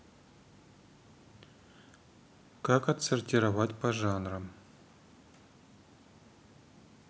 как отсортировать по жанрам